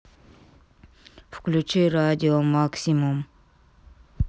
включи радио максимум